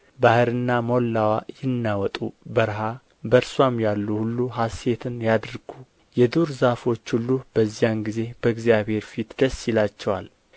ባሕርና ሞላዋ ይናወጡ በረሃ በእርስዋም ያሉ ሁሉ ሐሤትን ያድርጉ የዱር ዛፎች ሁሉ በዚያን ጊዜ በእግዚአብሔር ፊት ደስ ይላቸዋል ይመጣልና በምድር ላይ ሊፈርድ